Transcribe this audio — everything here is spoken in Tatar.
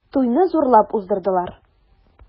Туйны зурлап уздырдылар.